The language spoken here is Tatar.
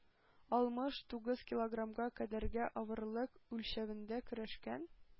Алмыш тугыз килограммга кадәрге авырлык үлчәвендә көрәшкән.